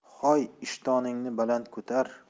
hoy ishtoningni baland ko'tar